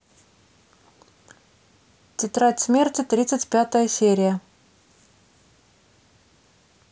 тетрадь смерти тридцать пятая серия